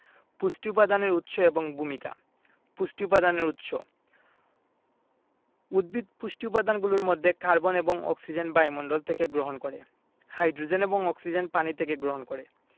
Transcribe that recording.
পুষ্টি উপাদানের উৎস এবং ভূমিকা পুষ্টি উপাদানের উৎস উদ্ভিদ পুষ্টি উপাদানগুলোর মধ্যে কার্বন এবং অক্সিজেন বায়ুমণ্ডল থেকে গ্রহণ করে হাই্ড্রোজেন এবং অক্সিজেন পানি থেকে গ্রহণ করে